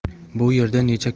bu yerda necha